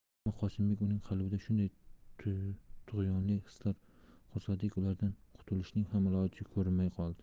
ammo qosimbek uning qalbida shunday tug'yonli hislar qo'zg'adiki ulardan qutulishning ham iloji ko'rinmay qoldi